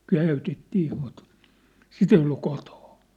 käytettiin mutta sitä ei ollut kotona